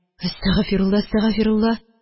Әстәгъфирулла, әстәгъфирулла